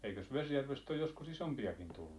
eikös Vesijärvestä ole joskus isompiakin tullut